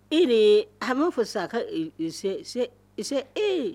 E de ye fɔ sa ka e